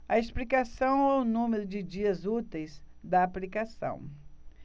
a explicação é o número de dias úteis da aplicação